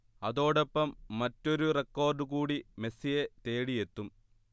അതോടൊപ്പം മറ്റൊരു റെക്കോർഡ് കൂടി മെസ്സിയെ തേടിയെത്തും